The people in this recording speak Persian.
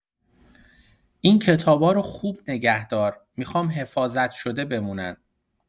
این کتابا رو خوب نگه دار، می‌خوام حفاظت‌شده بمونن.